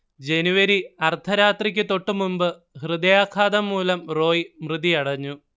ജനുവരി അർദ്ധരാത്രിക്കു തൊട്ടുമുമ്പ് ഹൃദയാഘാതം മൂലം റോയ് മൃതിയടഞ്ഞു